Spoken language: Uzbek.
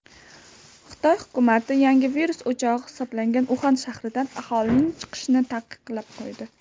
xitoy hukumati yangi virus o'chog'i hisoblangan uxan shahridan aholining chiqishini taqiqlab qo'ydi